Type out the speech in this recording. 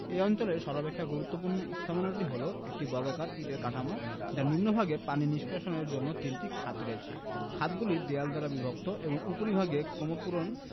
এ অঞ্চলের সর্বাপেক্ষা গুরুত্বপূর্ণ স্থাপনাটি হলো একটি বর্গাকার ইটের কাঠামো যার নিম্নভাগে পানি নিষ্কাশনের জন্য তিনটি খাত রয়েছে খাতগুলি দেয়াল দ্বারা বিভক্ত এবং উপরিভাগ ক্রমপূরণ